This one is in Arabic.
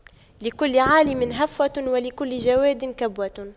لكل عالِمٍ هفوة ولكل جَوَادٍ كبوة